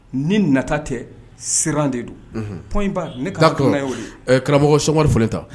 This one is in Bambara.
Ni nata tɛ siran de don pint bar ,. d'accord karamɔgɔ Seku umaru Falenta.